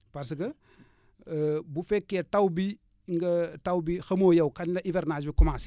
parce que bu fekkee taw bi nga taw bi xamoo yow kañ la hivernage bi commencé